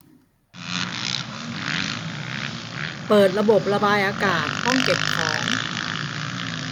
เปิดระบบระบายอากาศห้องเก็บของ